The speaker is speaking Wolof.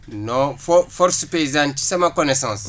non for force paysane ci sama connaissance